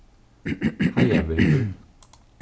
heiðarvegur